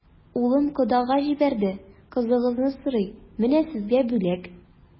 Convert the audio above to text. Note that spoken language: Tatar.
Улым кодага җибәрде, кызыгызны сорый, менә сезгә бүләк.